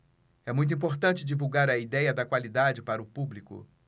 é muito importante divulgar a idéia da qualidade para o público